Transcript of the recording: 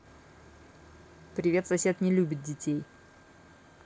привет сосед не любит детей